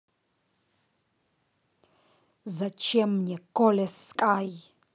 зачем мне kolesky